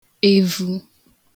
evu